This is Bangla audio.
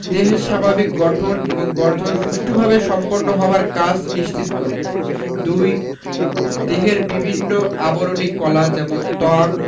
দেহের স্বাভাবিক গঠন এবং বর্ধন সুষ্ঠুভাবে সম্পন্ন হওয়ার কাজ নিশ্চিত করে ২. দেহের বিভিন্ন আবরণী কলা যেমন ত্বক